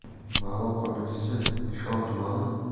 ma'lum qilinishicha nishon tumani